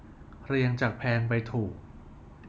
เรียงจากแพงไปถูก